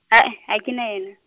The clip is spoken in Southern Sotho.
hae, ha kena yena.